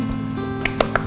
rất